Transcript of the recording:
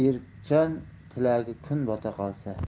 erinchak tilagi kun bota qolsa